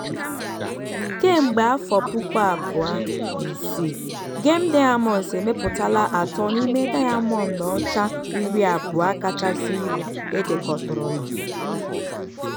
Kemgbe 2006, Gem Diamonds emepụtala atọ n'ịme dayamọndụ ọcha 20 kachasị ibu edekọtụrụla.